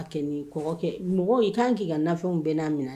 A kɛ ni kɔgɔ kɛ. Mɔgɔ i kan ki ka nafɛnw bɛɛ na minan